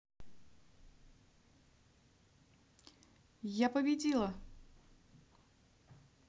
я победила